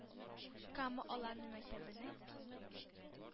Кама Аланы мәктәбенең